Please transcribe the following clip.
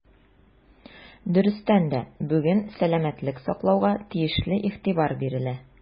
Дөрестән дә, бүген сәламәтлек саклауга тиешле игътибар бирелә.